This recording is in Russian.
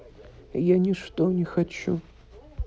я ничто не хочу